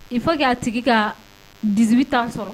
Il faut que a tigi kaa 18 ans sɔrɔ